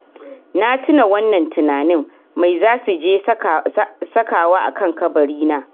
Na tuna wannan tunanin, mai zasu je sakawa akan kabarina?